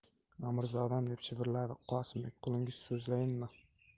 amirzodam deb shivirladi qosimbek qulingiz so'zlayinmi